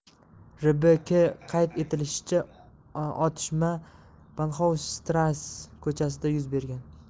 rbk qayd etilishicha otishma banxofshtrass ko'chasida yuz bergan